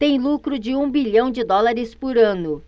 tem lucro de um bilhão de dólares por ano